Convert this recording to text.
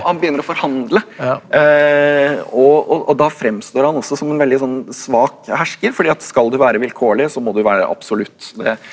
han begynner å forhandle og og og da fremstår han også som en veldig sånn svak hersker fordi at skal du være vilkårlig så må du være absolutt det.